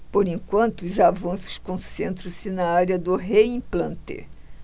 por enquanto os avanços concentram-se na área do reimplante